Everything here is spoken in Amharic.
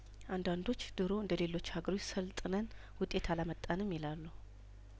አንዳንዶች ድሮ እንደሌሎች ሀገሮች ሰልጥነን ውጤት አላመጣንም ይላሉ